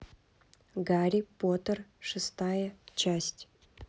гарри поттер шестая часть